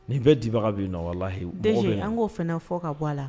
Nin bɛ dibaga bɛ ye nɔn walahi DG an k'o fana fɔ ka bɔ a la.